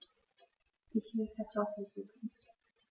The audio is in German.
Ich will Kartoffelsuppe.